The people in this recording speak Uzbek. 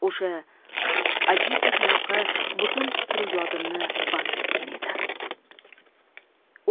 o'sha ajib bir lavha butun fikru yodimni band qilgan edi